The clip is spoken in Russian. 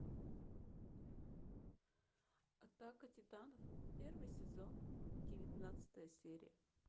атака титанов первый сезон девятнадцатая серия